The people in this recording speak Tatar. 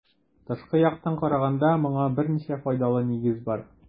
Тышкы яктан караганда моңа берничә файдалы нигез бар.